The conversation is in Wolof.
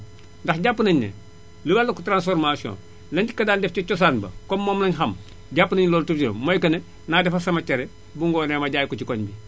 ndax jàpp nañ ne liy wàllug transformation na ñu ko daan def ca cosaan ba comme moom la énu xam jàpp nañu ne loolu * mooy que ne naa defar sama cere bu ngoonee ma jaay ko ci koñ bi